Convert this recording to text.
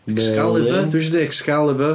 Excalibur?... Merlin?... Dwi isio deud Excalibur.